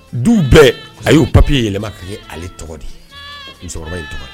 Du bɛɛ a y'o papiye yɛlɛma ka ye ale tɔgɔ de musokɔrɔba in tɔgɔ di